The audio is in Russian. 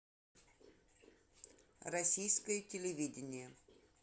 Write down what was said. российское телевидение